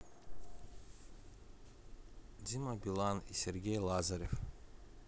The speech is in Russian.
дима билан и сергей лазарев